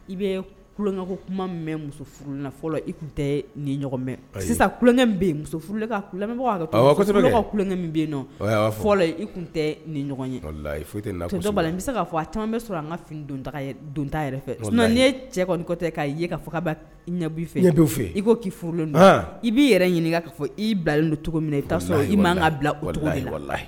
I bɛ kukɛ kuma mɛn muso furu fɔlɔ i tɛ ni ɲɔgɔn sisankɛkɛ bɛ yen i tun tɛ ni ɲɔgɔn ye bɛ se fɔ a caman an bɛ sɔrɔ an ka don'i ye cɛtɛ k'a ye ɲɛ fɛ fɛ i furu i b'i yɛrɛ ɲini i bila don cogo i i ka bila o cogo